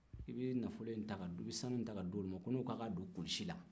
i bɛ sanu in ta k'a d'o ma ko ne ko k'a ka don kulusi la